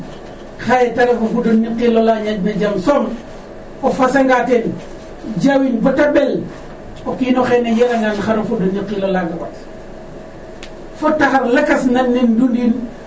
xaye ta ref o fud o niqiil ola ñaaƴna jam soom o fasanga ten jawin bata ɓel o kiin o xene yerengaan xan o fud o niqiil olaaga wat fo taxar lakas nan nen ndun nin